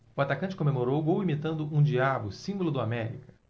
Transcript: o atacante comemorou o gol imitando um diabo símbolo do américa